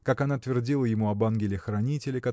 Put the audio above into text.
как она твердила ему об ангеле-хранителе